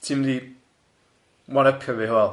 Ti'n myndi one-upio fi Hywel?